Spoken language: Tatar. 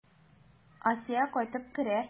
Асия кайтып керә.